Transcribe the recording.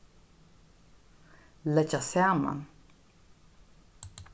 leggja saman